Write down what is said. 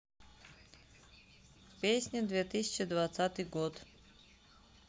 песни две тысячи двадцатый год